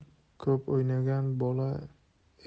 ko'p o'ynagan bola